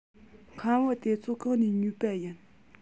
ཁམ བུ དེ ཚོ གང ནས ཉོས པ ཡིན